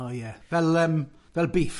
O ie, fel yym, fel beef.